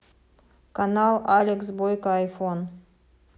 канал алекс бойко айфон